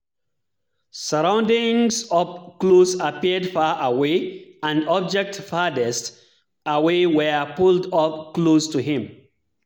Surroundings up close appeared far away and objects farthest away were pulled up close to him.